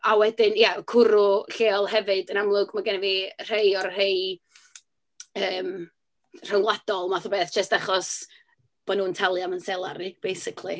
A wedyn, ia, cwrw lleol hefyd. Yn amlwg ma' genna fi rhai o'r rhai yym rhyngwladol, math o beth, jyst achos bo' nhw'n talu am ein selar ni basically.